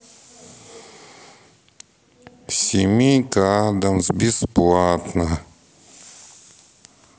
семейка аддамс бесплатно